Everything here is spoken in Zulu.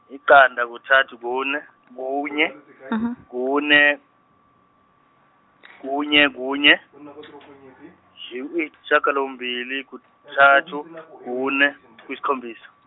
iqanda kuthathu kune, kunye, kune, kunye kunye, i- ishagalombili kuthathu, kune, kuyisikhombisa.